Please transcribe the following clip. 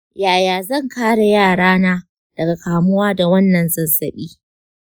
yaya zan kare yarana daga kamuwa da wannan zazzabi?